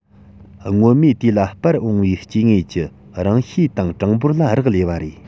སྔོན མའི དུས ལ སྤོར འོངས པའི སྐྱེ དངོས ཀྱི རང གཤིས དང གྲངས འབོར ལ རག ལས པ རེད